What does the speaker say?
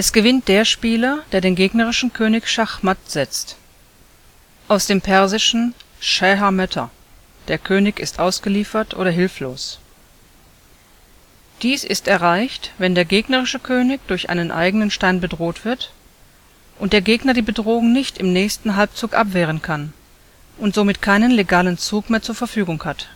gewinnt der Spieler, der den gegnerischen König schachmatt setzt (aus dem Persischen: Schāh Māt =„ Der König ist ausgeliefert/hilflos “). Dies ist erreicht, wenn der gegnerische König durch einen eigenen Stein bedroht wird und der Gegner die Bedrohung nicht im nächsten Halbzug abwehren kann und somit keinen legalen Zug mehr zur Verfügung hat